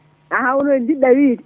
an haloyde jiɗɗa wiide